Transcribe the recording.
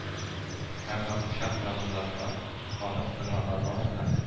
Әмма учак янындагылар аны тыңламадылар да